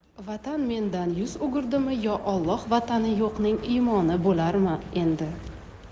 vatan mendan yuz o'girdimi yo olloh vatani yo'qning iymoni bo'larmi endi